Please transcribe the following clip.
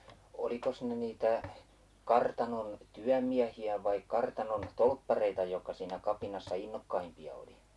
olikos ne niitä kartanon työmiehiä vai kartanon torppareita jotka siinä kapinassa innokkaimpia oli